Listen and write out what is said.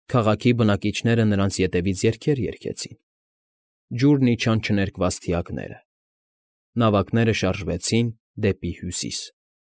Քաղաքի բնակիչները նրանց ետևից երգեր երգեցին, ջուրն իջան չներկված թիակները, նավակները շարժվեցին դեպի Հյուսիս։